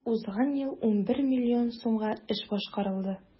Әйтик, узган ел 11 миллион сумга эш башкарылды.